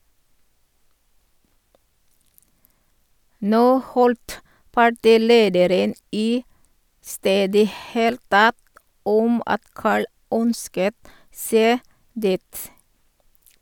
- Nå holdt partilederen i stedet helt tett om at Carl ønsket seg dit.